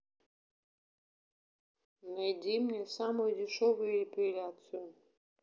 найди мне самую дешевую эпиляцию